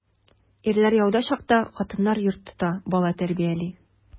Ирләр яуда чакта хатыннар йорт тота, бала тәрбияли.